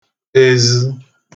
ezə